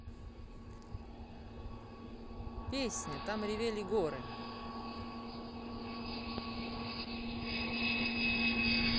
песня там ревели горы